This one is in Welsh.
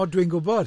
O, dwi'n gwybod.